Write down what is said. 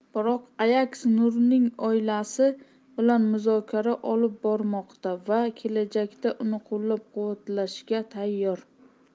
biroq ayaks nurining oilasi bilan muzokara olib bormoqda va kelajakda uni qo'llab quvvatlashga tayyor